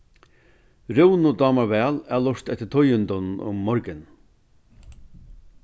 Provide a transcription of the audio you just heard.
rúnu dámar væl at lurta eftir tíðindunum um morgunin